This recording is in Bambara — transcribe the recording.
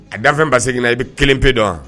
A da fɛn ba segingin i bɛ kelen pe dɔn wa